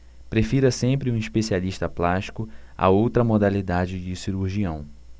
prefira sempre um especialista plástico a outra modalidade de cirurgião